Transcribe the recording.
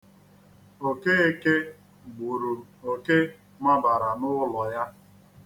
Okeke gburu oke mabara n'ụlọ ya.